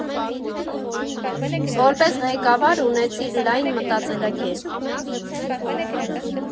Որպես ղեկավար՝ ունեցիր լայն մտածելակերպ։